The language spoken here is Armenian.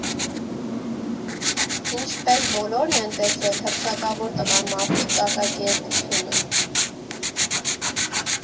Ինչպես բոլորն են տեսել հռչակավոր «Տղամարդիկ» կատակերգությունը։